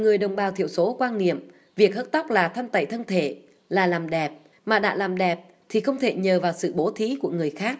người đồng bào thiểu số quan niệm việc hớt tóc là thanh tẩy thân thể là làm đẹp mà đã làm đẹp thì không thể nhờ vào sự bố thí của người khác